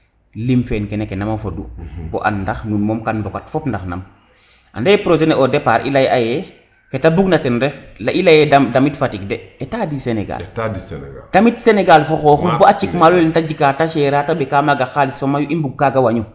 lim fe kene ke nama fodu bo and ndax nuun moom gan mbokat fop ndax nam ande projet ne au depart i ley a ye kete bug na ten ref i leye damit Fatick de Etat du senegal tamit Senegal fo xoxum bo a cik maalo lene te jika te chere a te mbeka maga xalis fa mayu i mbug kaga wañu